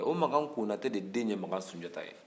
o makan konatɛ de den ye makan sunjata ye